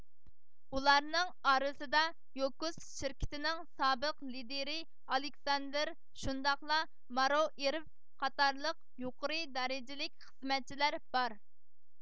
ئۇلارنىڭ ئارىسىدا يۇكوس شىركىتىنىڭ سابىق لىدىرى ئالېكساندىر شۇنداقلا مارۇئېرۋ قاتارلىق يۇقىرى دەرىجىلىك خىزمەتچىلەر بار